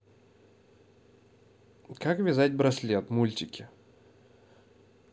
как вязать браслет мультики